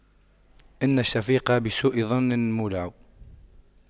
إن الشفيق بسوء ظن مولع